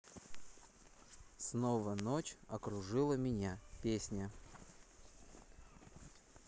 снова ночь окружила меня песня